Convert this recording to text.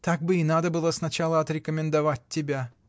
— Так бы и надо было сначала отрекомендовать тебя.